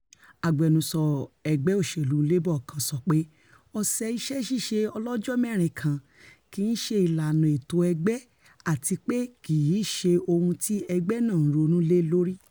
Agbẹnusọ Ẹgbẹ́ Òṣèlú Labour kan sọ pé: 'Ọ̀sẹ̀ iṣẹ́-ṣíṣe ọlọ́jọ́-mẹ́rin kan kìí ṣe ìlànà ètò ẹgbẹ́ àtipé kì i ṣe ohun tí ẹgbẹ́ náà ńronú lé lórí.'